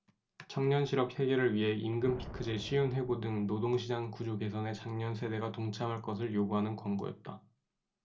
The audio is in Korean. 청년실업 해결을 위해 임금피크제 쉬운 해고 등 노동시장 구조 개선에 장년 세대가 동참할 것을 요구하는 광고였다